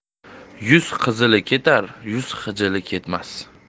yuz qizili ketar yuz xijili ketmas